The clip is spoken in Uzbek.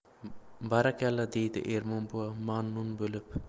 barakalla deydi ermon buva mamnun bo'lib